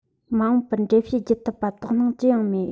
མ འོངས པར འགྲེལ བཤད བགྱི ཐུབ པར དོགས སྣང ཅི ཡང མེད དོ